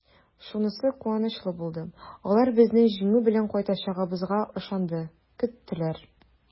Шунысы куанычлы булды: алар безнең җиңү белән кайтачагыбызга ышанды, көттеләр!